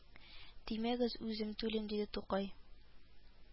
Тимәгез, үзем түлим, диде Тукай